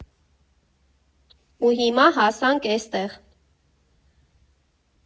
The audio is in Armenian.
Ու հիմա հասանք էստեղ։